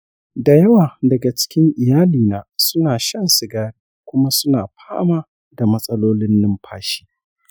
da yawa daga cikin iyalina suna shan sigari kuma suna fama da matsalolin numfashi.